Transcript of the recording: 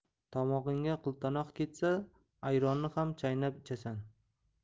tomog'ingga qiltanoq ketsa ayronni ham chaynab ichasan